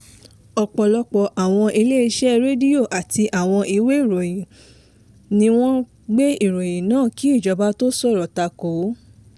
Ọ̀pọ̀lọpọ̀ àwọn ilé-iṣẹ́ rédíò àti àwọn ìwé ìròyìn ní wọ́n gbé ìròyìn náà kí ìjọba tó sọ̀rọ̀ takòó.